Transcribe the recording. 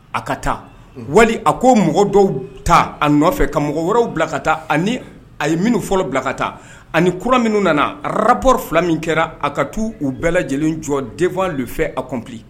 A ka taa wali a ko mɔgɔ dɔw ta a nɔ nɔfɛ ka mɔgɔ wɛrɛw bila ka taa ani a ye minnu fɔlɔ bila ka taa ani kura minnu nana arap fila min kɛra a ka taa u bɛɛ lajɛlen jɔ denfa fɛ a kɔnp